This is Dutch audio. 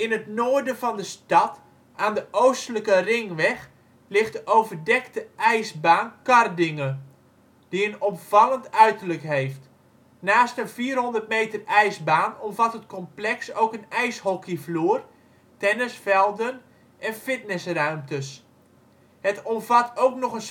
het noorden van de stad aan de oostelijke ringweg ligt de overdekte ijsbaan Kardinge, die een opvallend uiterlijk heeft. Naast een 400-meter ijsbaan omvat het complex ook een ijshockeyvloer, tennisvelden en fitnessruimtes. Het omvat ook nog een sportterrein